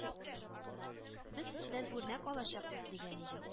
Без сездән үрнәк алачакбыз , дигән иде